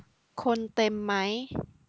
คนเต็มไหม